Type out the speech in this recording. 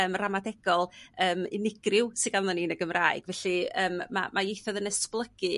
yym ramadegol yym unigryw sydd ganddo ni yn y Gymraeg. Felly yym ma' ieithoedd yn esblygu